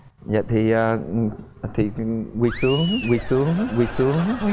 dạ thì à thì quỳ xuống quỳ xuống quỳ xuống